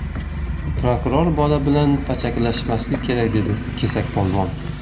prokuror bola bilan pachakilashmaslik kerak dedi kesakpolvon